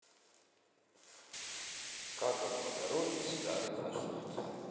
как облагородить старый фасад